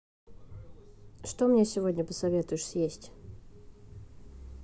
что мне сегодня посоветуешь съесть